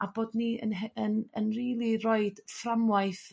A bod ni yn h- yn yn rili roid fframwaith